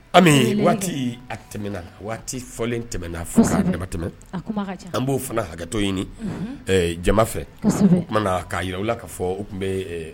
Ami waati a tɛmɛna waati fɔlen tɛmɛna fo ka dama tɛmɛ. An bo fana hakɛtɔ ɲini jama fɛ . O kuma na ka yira u la ka fɔ u kun bɛ